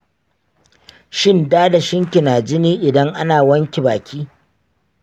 shin dadashin ki na jini idan a na wanke baki?